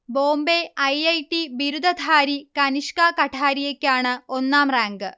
Bombay I. I. T. ബിരുദധാരി കനിഷ്ക കഠാരിയയ്ക്കാണ് ഒന്നാം റാങ്ക്